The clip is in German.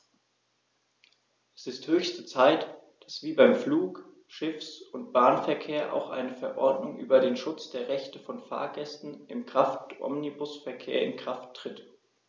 Es ist höchste Zeit, dass wie beim Flug-, Schiffs- und Bahnverkehr auch eine Verordnung über den Schutz der Rechte von Fahrgästen im Kraftomnibusverkehr in Kraft tritt.